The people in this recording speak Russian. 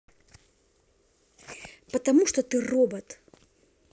потому что ты робот